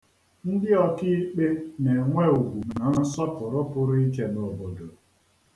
Ndị ọkiikpe na-enwe ugwu na nsọpụrụ pụrụ iche n'obodo.